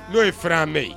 N'o ye frein à main ye.